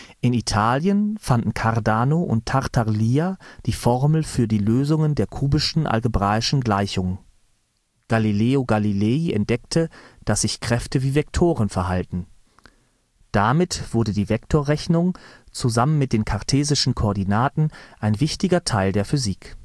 In Italien fanden Cardano und Tartaglia die Formel für die Lösungen der kubischen algebraischen Gleichung. Galileo Galilei entdeckte, dass sich Kräfte wie Vektoren verhalten; damit wurde die Vektorrechnung zusammen mit den kartesischen Koordinaten ein wichtiger Teil der Physik